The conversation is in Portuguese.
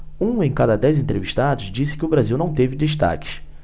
um em cada dez entrevistados disse que o brasil não teve destaques